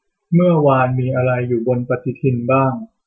เมื่อวานมีอะไรอยู่บนปฎิทินบ้าง